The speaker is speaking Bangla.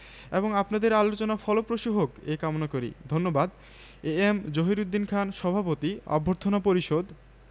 এবং আপনাদের আলোচনা ফলপ্রসূ হোক এ কামনা করি ধন্যবাদ এ এম জহিরুদ্দিন খান সভাপতি অভ্যর্থনা পরিষদ